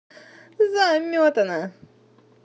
заметано